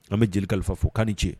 An bɛ jeli kalifa fo' ni ce